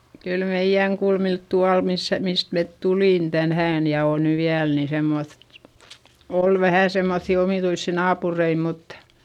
kyllä meidän kulmilla tuolla missä mistä me tulimme tänään ja on nyt vielä niin semmoista oli vähän semmoisia omituisia naapureita mutta